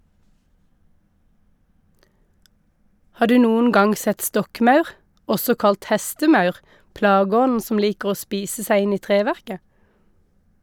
Har du noen gang sett stokkmaur, også kalt hestemaur, plageånden som liker å spise seg inn i treverket?